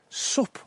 swp